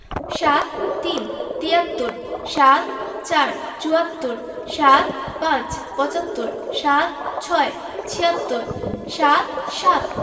৭৩ তিয়াত্তর ৭৪ চুয়াত্তর ৭৫ পঁচাত্তর ৭৬ ছিয়াত্তর ৭৭